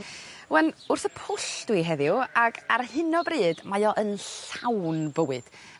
Wel wrth y pwll dwi heddiw ag ar hyn o bryd mae o yn llawn bywyd